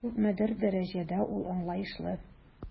Күпмедер дәрәҗәдә ул аңлаешлы.